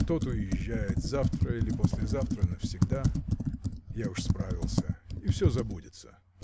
Тот уезжает завтра или послезавтра навсегда (я уж справился) — и всё забудется.